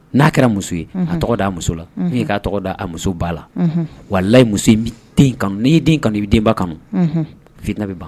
N'a kɛra muso ye. Unhun. A tɔgɔda muso la ou bien i k'a tɔgɔda a muso ba la. Unhun. Walayi muso in bɛ den in kanu n'i ye den kanu i bɛ den ba kanu. Unhun. Fitinɛ bɛ bɔ